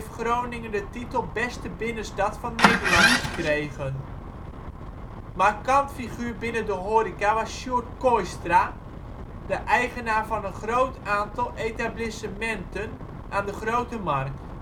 Groningen de titel Beste Binnenstad van Nederland gekregen. Markant figuur binnen de horeca was Sjoerd Kooistra, die eigenaar was van een groot aantal etablissementen aan de Grote Markt